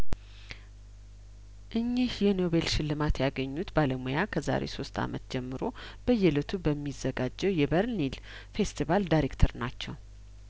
እኚህ የኖቬል ሽልማት ያገኙት ባለሙያ ከዛሬ ሶስት አመታት ጀምሮ በየለቱ በሚዘጋጀው የበርሊን ፌስቲቫል ዳይሬክተር ናቸው